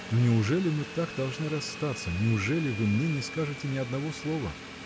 но неужели мы так должны расстаться: неужели вы мне не скажете ни одного слова?.